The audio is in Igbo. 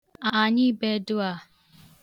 ànyịbedụa